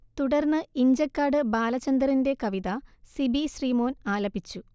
തുടർന്ന് ഇഞ്ചക്കാട് ബാലചന്ദറിന്റെ കവിത സിബി ശ്രീമോൻ ആലപിച്ചു